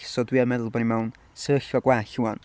So dwi yn meddwl bod ni mewn sefyllfa gwell 'ŵan.